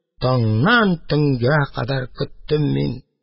Таңнан төнгә кадәр көттем мин.